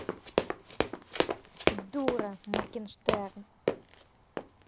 дура моргенштерн